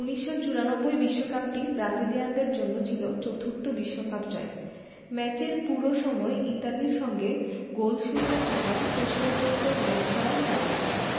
১৯৯৪ বিশ্বকাপটি ব্রাজিলিয়ানদের জন্য ছিল চতুর্থ বিশ্বকাপ জয় ম্যাচের পুরো সময় ইতালির সঙ্গে গোলশূন্য থাকায় শেষ পর্যন্ত ম্যাচ গড়ায় টাইব্রেকারে